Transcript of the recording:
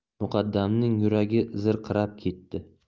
muqaddamning yuragi zirqirab ketdi